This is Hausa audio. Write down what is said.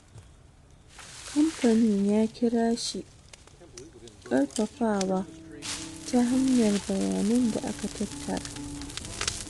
Kamfanin ya kira shi "karfafawa ta hanyar bayanan da aka tattara ."